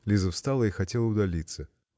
Лиза встала и хотела удалиться.